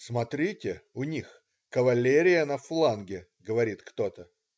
"Смотрите, у них кавалерия на фланге",- говорит кто-то.